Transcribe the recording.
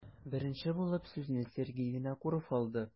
Беренче булып сүзне Сергей Винокуров алды.